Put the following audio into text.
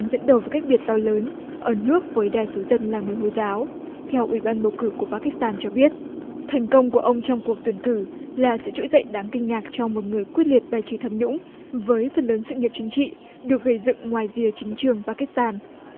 đang dẫn đầu với cách biệt to lớn ở nước với đa số dân là người hồi giáo theo ủy ban bầu cử của pa kít tan cho biết thành công của ông trong cuộc tuyển cử là sự trỗi dậy đáng kinh ngạc cho một người quyết liệt và chỉ tham nhũng với phần lớn sự nghiệp chính trị được gầy dựng ngoài rìa chính trường pa kít tan